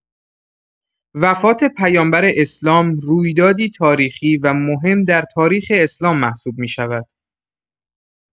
وفات پیامبر اسلام رویدادی تاریخی و مهم در تاریخ اسلام محسوب می‌شود.